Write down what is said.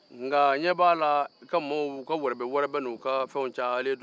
nka ne ɲɛ b'a la i ka mɔgɔw u ka wɛrɛbɛ-wɛrɛbɛ ni u ka fɛnw cayalen don